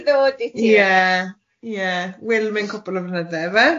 Ie, ie welw mewn cwpl o flynydde ife?